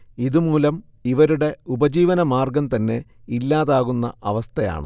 ഇതുമൂലം ഇവരുടെ ഉപജീവനമാർഗം തന്നെ ഇല്ലാതാകുന്ന അവസഥയാണ്